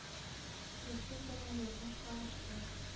Дустым белән, язмыш, кавыштыр!